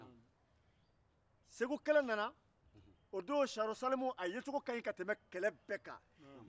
segu kɛlɛ nana o donn siyanro salimu yecogo ka ɲi ka tɛmɛ kɛlɛ bɛɛ kan